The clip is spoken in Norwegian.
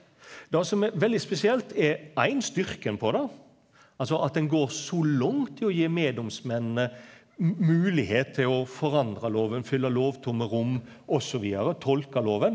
det som er veldig spesielt er éin styrken på det altså at ein går så langt i å gje meddomsmennene moglegheit til å forandra loven fylle lovtomme rom osv. tolka loven.